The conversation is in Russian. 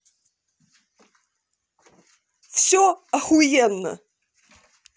все охуенно